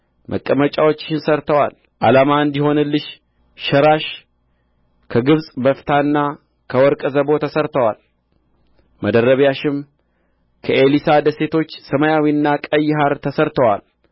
መቀመጫዎችሽን ሠርተዋል ዓላማ እንዲሆንልሽ ሸራሽ ከግብጽ በፍታና ከወርቅ ዘቦ ተሠርቶአል መደረቢያሽም ከኤሊሳ ደሴቶች ሰማያዊና ቀይ ሐር ተሠርቶአል